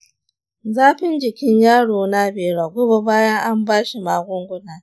zafin jikin yaro na bai ragu ba bayan an ba shi magunguna.